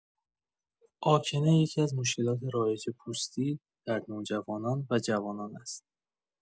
آکنه یکی‌از مشکلات رایج پوستی در نوجوانان و جوانان است.